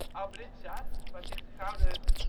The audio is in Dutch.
Amritsar (waar zich de Gouden